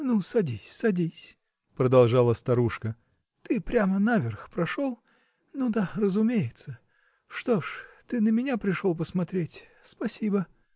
-- Ну, садись, садись, -- продолжала старушка. -- Ты прямо наверх прошел? Ну да, разумеется. Что ж? ты на меня пришел посмотреть? Спасибо.